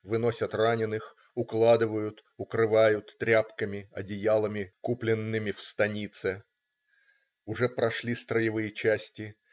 Выносят раненых, укладывают, укрывают тряпками, одеялами, купленными в станице. Уже прошли строевые части.